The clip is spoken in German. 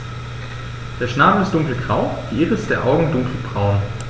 Der Schnabel ist dunkelgrau, die Iris der Augen dunkelbraun.